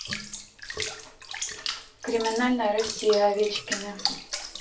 криминальная россия овечкины